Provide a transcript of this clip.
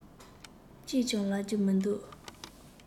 གཅིག ཀྱང ལབ རྒྱུ མི འདུག